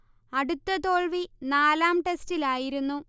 അടുത്ത തോൽവി നാലാം ടെസ്റ്റിലായിരുന്നു